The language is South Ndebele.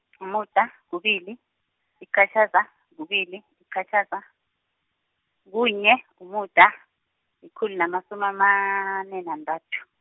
umuda, kubili, liqatjhaza, kubili, liqatjhaza, kunye, mumuda, likhulu namasumi amane, nantathu.